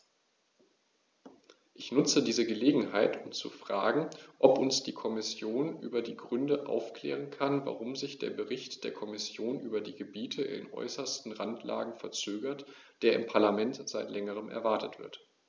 Ich nutze diese Gelegenheit, um zu fragen, ob uns die Kommission über die Gründe aufklären kann, warum sich der Bericht der Kommission über die Gebiete in äußerster Randlage verzögert, der im Parlament seit längerem erwartet wird.